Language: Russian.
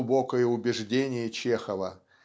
глубокое убеждение Чехова